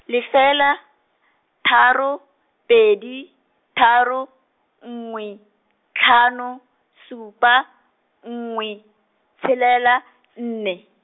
lefela, tharo, pedi, tharo, nngwe, tlhano, supa, nngwe, tshelela, nne.